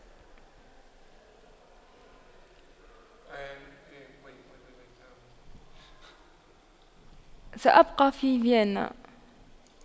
سأبقى في فيينا